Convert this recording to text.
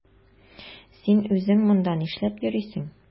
Син үзең монда нишләп йөрисең?